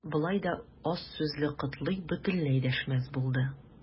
Болай да аз сүзле Котлый бөтенләй дәшмәс булды.